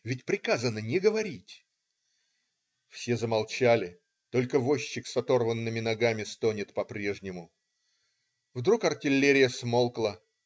ведь приказано не говорить!" Все замолчали, только возчик с оторванными ногами стонет по-прежнему. Вдруг артиллерия смолкла.